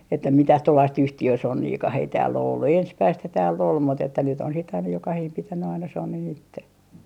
että mitään tuollaista yhtiösonniakaan ei täällä ole ollut ensimmäistähän täällä oli mutta että nyt on sitten aina jokainen pitänyt aina sonnin itse